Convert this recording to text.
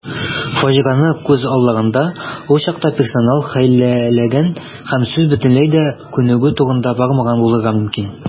Фаҗигане күзаллаганда, ул чакта персонал хәйләләгән һәм сүз бөтенләй дә күнегү турында бармаган булырга мөмкин.